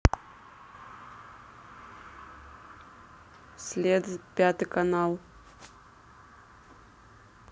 след пятый канал